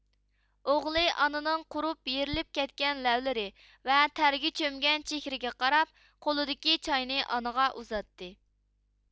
ئوغلى ئانىنىڭ قۇرۇپ يېرىلىپ كەتكەن لەۋلىرى ۋە تەرگە چۆمگەن چىھرىگە قاراپ قولىدىكى چاينى ئانىغا ئۇزاتتى